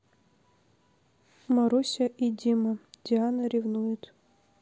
маруся и дима диана ревнует